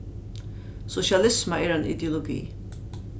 sosialisma er ein ideologi